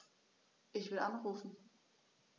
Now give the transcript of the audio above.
Ich will anrufen.